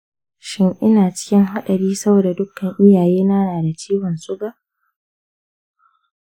shin ina cikin haɗari saboda duka iyayena na da ciwon suga?